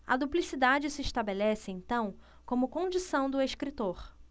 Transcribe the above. a duplicidade se estabelece então como condição do escritor